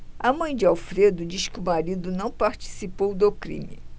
a mãe de alfredo diz que o marido não participou do crime